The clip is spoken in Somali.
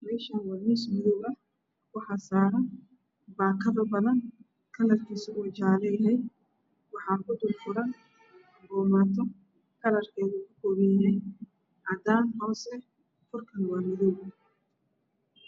Meshan waa mis madow ah waxa saran bakado badan kalarkisa jale yahay waxa kujira bomatoyin kalarked kakoban yahay cadan hose furkan waa madow